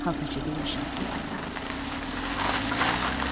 xaltachaga yashirib qo'yardi